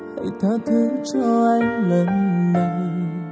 hãy tha thứ cho anh lần này